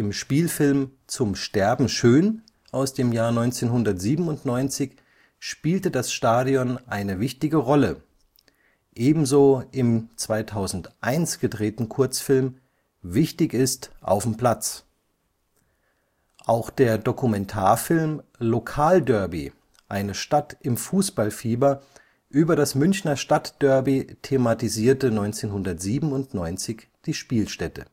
Spielfilm Zum Sterben schön aus dem Jahr 1997 spielte das Stadion eine wichtige Rolle, ebenso im 2001 gedrehten Kurzfilm Wichtig ist auf'm Platz. Auch der Dokumentarfilm Lokalderby – Eine Stadt im Fußballfieber über das Münchner Stadtderby thematisierte 1997 die Spielstätte